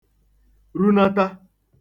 runata